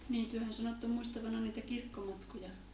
niin tehän sanoitte muistavanne niitä kirkkomatkoja